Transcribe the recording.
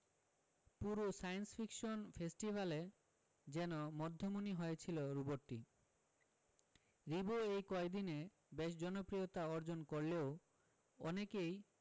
পুরো science fiction ফেস্টিভ্যালে যেন মধ্যমণি হয়েছিল রোবটটি রিবো এই কয়দিনে বেশ জনপ্রিয়তা অর্জন করলেও অনেকেই